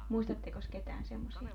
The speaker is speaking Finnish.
muistattekos ketään semmoisia